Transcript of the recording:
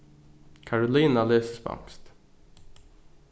karolina lesur spanskt